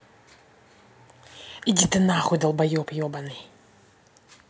иди ты нахуй долбоеб ебаный